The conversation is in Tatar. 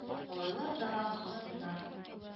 Малайлар да хатыннар